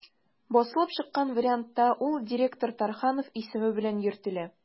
Басылып чыккан вариантта ул «директор Тарханов» исеме белән йөртелә.